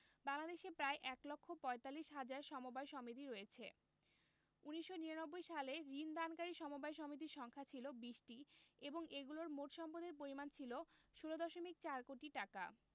বাংলাদেশে প্রায় এক লক্ষ পয়তাল্লিশ হাজার সমবায় সমিতি রয়েছে ১৯৯৯ সালে ঋণ দানকারী সমবায় সমিতির সংখ্যা ছিল ২০টি এবং এগুলোর মোট সম্পদের পরিমাণ ছিল ১৬দশমিক ৪ কোটি টাকা